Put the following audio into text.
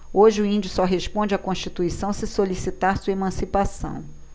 hoje o índio só responde à constituição se solicitar sua emancipação